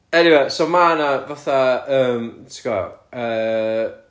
anyway so ma' 'na fatha yym... ti'n gwbod yy...